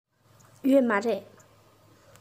ཡོད མ རེད